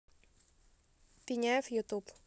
пиняев ютуб